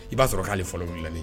I b'a sɔrɔ k'ale fɔlɔ dilani